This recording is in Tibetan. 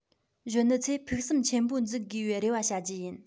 གཞོན ནུ ཚོས ཕུགས བསམ ཆེན པོ འཛུགས དགོས པའི རེ བ བྱ རྒྱུ ཡིན